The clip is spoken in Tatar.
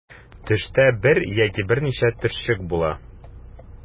Төштә бер яки берничә төшчек була.